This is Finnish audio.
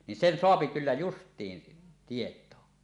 niin sen saa kyllä justiinsa tietoon